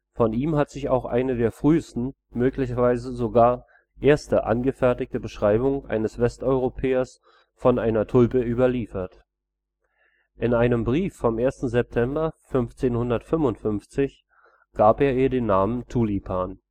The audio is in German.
Von ihm hat sich auch eine der frühesten, möglicherweise sogar die erste angefertigte Beschreibung eines Westeuropäers von einer Tulpe überliefert. In einem Brief vom 1. September 1555 gab er ihr den Namen Tulipan